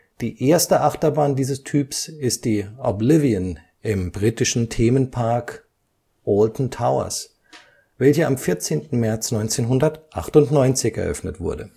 Die erste Achterbahn dieses Typs ist die Oblivion im britischen Themenpark Alton Towers, welche am 14. März 1998 eröffnet wurde